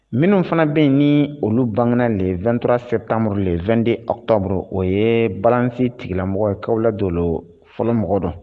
Minnu fana bɛ yen ni olu bangera le 23 septembre - le 22 octobre o ye balance tigilamɔgɔw ye kawla dolo fɔlɔ mɔgɔw don